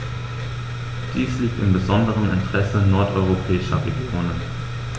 Dies liegt im besonderen Interesse nordeuropäischer Regionen.